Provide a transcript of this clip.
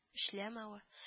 Эшләмәве